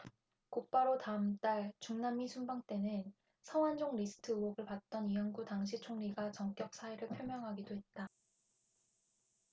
곧바로 다음달 중남미 순방 때는 성완종 리스트 의혹을 받던 이완구 당시 총리가 전격 사의를 표명하기도 했다